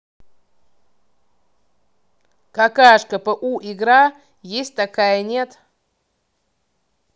какашка пу игра есть такая нет